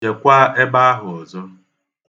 Jekwa ebe ahụ ọzọ.